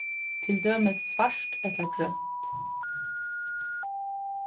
til dømis svart ella grønt